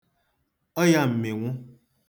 ọyā m̀mị̀nwụ